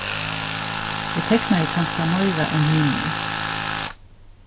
eg teknaði kanska meira enn hinir